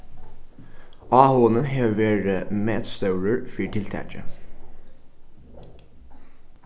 áhugin hevur verið metstórur fyri tiltakið